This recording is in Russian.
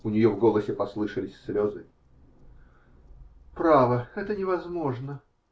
У нее в голосе послышались слезы. -- Право, это невозможно.